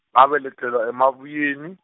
ngabelethelwa eMabuyeni.